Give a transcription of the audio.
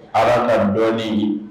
Ala ka dɔni ye